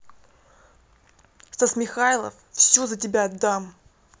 стас михайлов все за тебя отдам